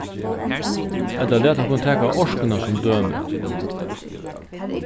ella lat okkum taka orkuna sum dømi